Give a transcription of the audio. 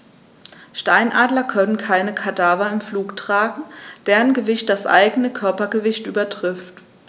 Steinadler können keine Kadaver im Flug tragen, deren Gewicht das eigene Körpergewicht übertrifft.